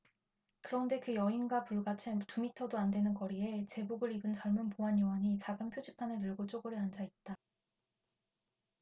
그런데 그 여인과 불과 채 두 미터도 안 되는 거리에 제복을 입은 젊은 보안 요원이 작은 표지판을 들고 쪼그려 앉아 있다